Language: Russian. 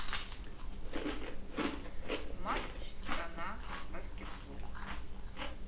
матч страна баскетбол